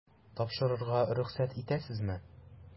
Тапшырырга рөхсәт итәсезме? ..